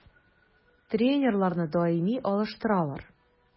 Тренерларны даими алыштыралар.